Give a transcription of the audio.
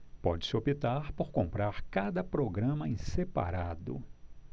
pode-se optar por comprar cada programa em separado